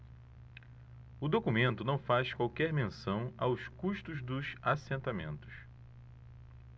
o documento não faz qualquer menção aos custos dos assentamentos